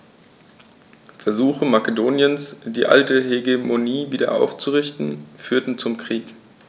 Versuche Makedoniens, die alte Hegemonie wieder aufzurichten, führten zum Krieg.